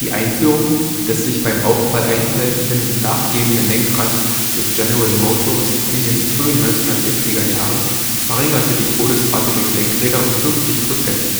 Einführung des sich beim Aufprall einfaltenden und nachgebenden Lenkrades durch General Motors in den frühen 1960er Jahren verringerte die Todesrate durch Lenkräder um fünfzig Prozent